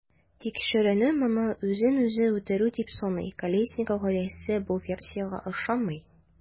Тикшеренү моны үзен-үзе үтерү дип саный, Колесников гаиләсе бу версиягә ышанмый.